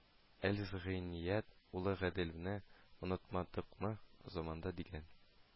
Эльс Гыйният улы Гаделевне онытмадыкмы, замана дигән